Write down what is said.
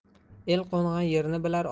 el qo'ngan yerni bilar